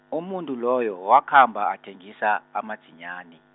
umuntu loyo, wakhamba athengisa, amadzinyani.